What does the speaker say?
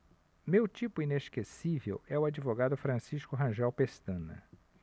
meu tipo inesquecível é o advogado francisco rangel pestana